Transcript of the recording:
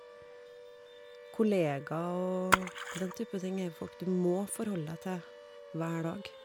Kolleger og den type ting er jo folk du må forholde deg til hver dag.